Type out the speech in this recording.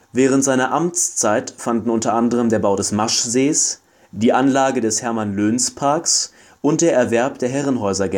Während seiner Amtszeit fanden u. a. der Bau des Maschsees, die Anlage des Hermann-Löns-Parks und der Erwerb der Herrenhäuser